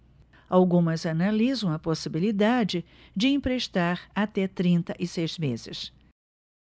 algumas analisam a possibilidade de emprestar até trinta e seis meses